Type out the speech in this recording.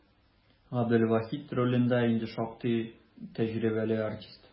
Габделвахит ролендә инде шактый тәҗрибәле артист.